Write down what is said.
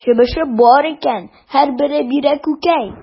Чебеше бар икән, һәрберсе бирә күкәй.